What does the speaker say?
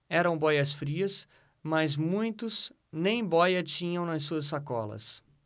eram bóias-frias mas muitos nem bóia tinham nas suas sacolas